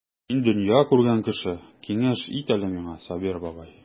Син дөнья күргән кеше, киңәш ит әле миңа, Сабир бабай.